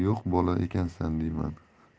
yo'q bola ekansan diyman